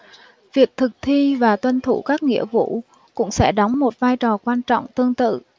việc thực thi và tuân thủ các nghĩa vụ cũng sẽ đóng một vai trò quan trọng tương tự